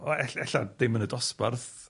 O ell- ella ddim yn y dosbarth.